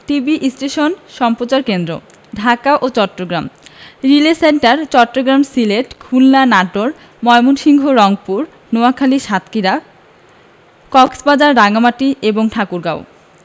TV station সম্প্রচার কেন্দ্রঃ ঢাকা ও চট্টগ্রাম রিলে সেন্টার চট্টগ্রাম সিলেট খুলনা নাটোর ময়মনসিংহ রংপুর নোয়াখালী সাতক্ষীরা কক্সবাজার রাঙ্গামাটি এবং ঠাকুরগাঁও